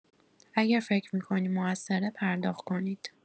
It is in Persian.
اگه فکر می‌کنید موثره پرداخت کنید.